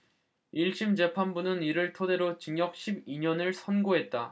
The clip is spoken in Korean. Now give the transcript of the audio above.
일 심 재판부는 이를 토대로 징역 십 이 년을 선고했다